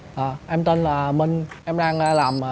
ờ em tên là minh em đang làm